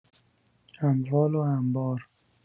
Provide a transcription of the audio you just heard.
اموال و انبار